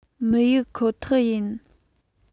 མི གཡུགས ཁོ ཐག ཡིན